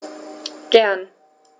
Gern.